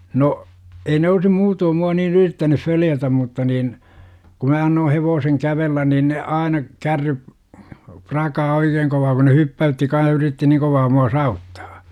no ei ne olisi muuten minua niin yrittäneet följätä mutta niin kun minä annoin hevosen kävellä niin ne aina kärryt prakaa oikein kovaa kun ne hyppäytti kanssa yritti niin kovaa minua saavuttaa